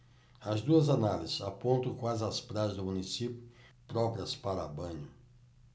as duas análises apontam quais as praias do município próprias para banho